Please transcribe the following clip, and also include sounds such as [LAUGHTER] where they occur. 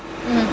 [HESITATION] [NOISE]